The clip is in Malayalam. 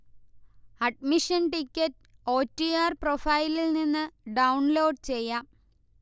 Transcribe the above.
Admission ticket O. T. R. പ്രൊഫൈലിൽനിന്ന് ഡൗൺലോഡ് ചെയ്യാം